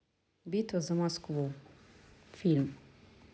битва за москву фильм